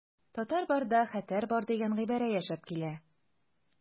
Татар барда хәтәр бар дигән гыйбарә яшәп килә.